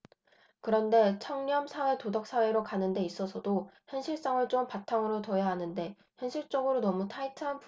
그런데 청렴사회 도덕사회로 가는 데 있어서도 현실성을 좀 바탕으로 둬야 하는데 현실적으로 너무 타이트한 부분이 너무 있는 거죠